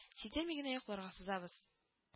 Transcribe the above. Сиздерми генә йокларга сызабыз